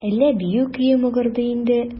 Әллә бию көе мыгырдый инде?